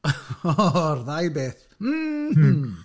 Yr ddau beth. M-hm!